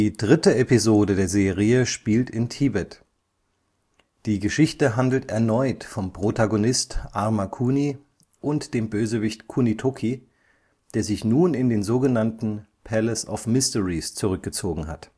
dritte Episode der Serie spielt in Tibet. Die Geschichte handelt erneut vom Protagonist Armakuni und dem Bösewicht Kunitoki, der sich nun in den sogenannten „ Palace of Mysteries “zurückgezogen hat